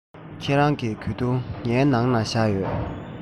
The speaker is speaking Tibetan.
ཁྱེད རང གི གོས ཐུང ངའི ནང ལ བཞག ཡོད